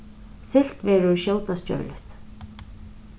siglt verður skjótast gjørligt